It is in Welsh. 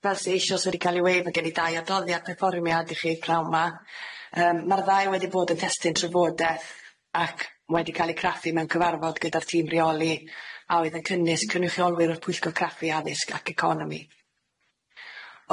Fel sy eishoes wedi ca'l 'i weud ma' gen i dau ardoddiad pefformiad i chi pnaw' 'ma yym ma'r ddau wedi bod yn testun trafodeth ac wedi ca'l 'i craffu mewn cyfarfod gyda'r tîm reoli a oedd yn cynnus cynnywchiolwyr o'r Pwyllgor Craffu Addysg ac Economi.